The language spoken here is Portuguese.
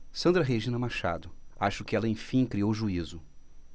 sandra regina machado acho que ela enfim criou juízo